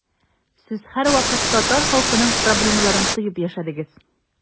Сез һәрвакыт татар халкының проблемаларын тоеп яшәдегез.